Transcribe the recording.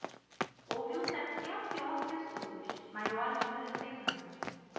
ouviu setecentos e onze pessoas maiores de dezesseis anos